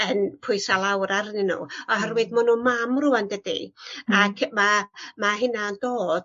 yn pwyso lawr arnyn n'w oherwydd ma' nw'n mam rŵan dydi? Ag ma' ma' hynna'n dod